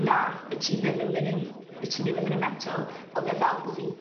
na 'yt ti ddim yn myn' yn 'yt ti ddim yn myn' yn mental o'dd e fel bo' fi'n